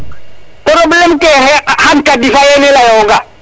probleme ke nam kene leyo nga